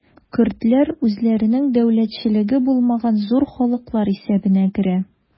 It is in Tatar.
Көрдләр үзләренең дәүләтчелеге булмаган зур халыклар исәбенә керә.